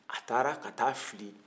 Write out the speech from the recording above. a taara ka taa a filɛ